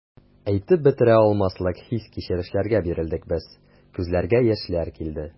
Әйтеп бетерә алмаслык хис-кичерешләргә бирелдек без, күзләргә яшьләр килде.